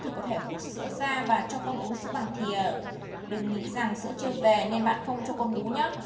thì có thể hút sữa ra và cho con uống sữa bằng thìa đừng nghĩ rằng sữa chưa về nên bạn không cho con bú nhé